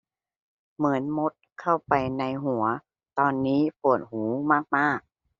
เหมือนมดเข้าไปในหัวตอนนี้ปวดหูมากมาก